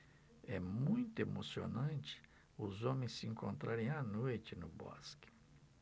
é muito emocionante os homens se encontrarem à noite no bosque